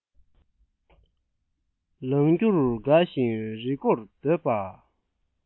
ལངས རྒྱུར དགའ ཞིང རི མགོར སྡོད པ